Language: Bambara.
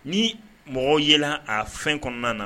Ni mɔgɔw yɛlɛla a fɛn kɔnɔna na